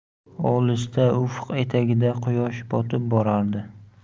olisda ufq etagida quyosh botib borardi